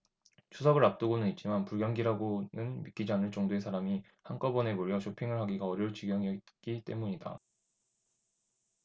추석을 앞두고는 있지만 불경기라고는 믿기지 않을 정도의 사람이 한꺼번에 몰려 쇼핑을 하기가 어려울 지경이었기 때문이다